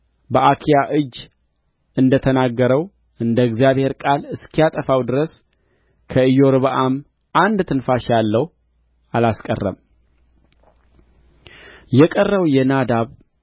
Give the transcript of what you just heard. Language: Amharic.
በአኪያ እጅ እንደ ተናገረው እንደ እግዚአብሔር ቃል እስኪያጠፋው ድረስ ከኢዮርብዓም አንድ ትንፋሽ ያለው አላስቀረም የቀረውም የናዳብ